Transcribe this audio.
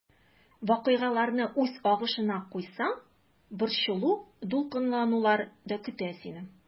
Вакыйгаларны үз агышына куйсаң, борчылу-дулкынланулар да көтә сине.